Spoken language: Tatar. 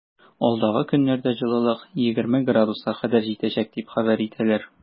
Алдагы көннәрдә җылылык 20 градуска кадәр җитәчәк дип хәбәр итәләр.